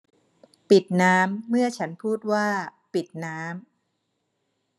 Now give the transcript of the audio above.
ปิดน้ำเมื่อฉันพูดว่าปิดน้ำ